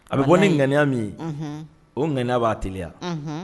A bɛ bɔ ni ŋganiya min ye o ŋgya b'a teliya